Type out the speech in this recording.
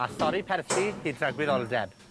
A thorri perthi hyd tragwyddoldeb!